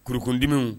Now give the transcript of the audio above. Kurukun diminw